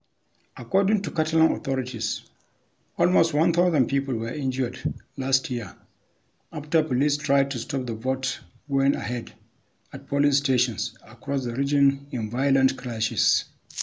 According to Catalan authorities almost 1000 people were injured last year after police tried to stop the vote going ahead at polling stations across the region in violent clashes.